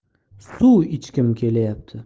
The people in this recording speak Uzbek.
suv ichgim kelayapti